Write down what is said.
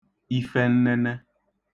ifẹnnẹnẹ